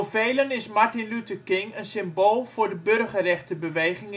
velen is Martin Luther King een symbool voor de burgerrechtenbeweging